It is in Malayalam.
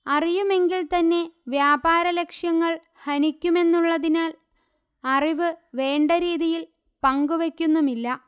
അറിയുമെങ്കിൽത്തന്നെ വ്യാപാര ലക്ഷ്യങ്ങൾ ഹനിക്കുമെന്നുള്ളതിനാൽ അറിവ് വേണ്ടരീതിയിൽ പങ്കുവെക്കുന്നുമില്ല